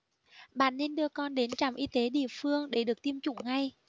bạn nên đưa con đến trạm y tế địa phương để được tiêm chủng ngay